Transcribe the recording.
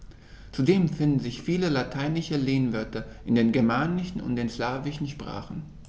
Zudem finden sich viele lateinische Lehnwörter in den germanischen und den slawischen Sprachen.